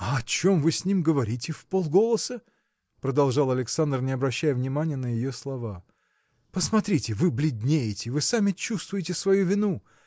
– А о чем вы с ним говорите вполголоса? – продолжал Александр не обращая внимания на ее слова – посмотрите вы бледнеете вы сами чувствуете свою вину.